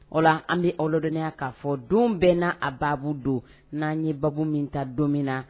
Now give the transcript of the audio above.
Ola an bi aw ladɔniya k'a fɔ don bɛɛ n'a a baabu don n'an ye baabu min ta don min na